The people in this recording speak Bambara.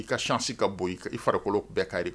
I ka ssi ka bɔ i i farikolokolo bɛɛ kari